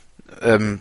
Yym.